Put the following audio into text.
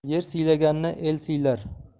yer siylaganni el siylar